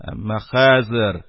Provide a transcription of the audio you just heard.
Әмма хәзер,